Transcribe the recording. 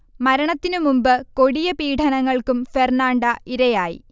മരണത്തിന് മുമ്പ് കൊടിയ പീഢനങ്ങൾക്കും ഫെർണാണ്ട ഇരയായി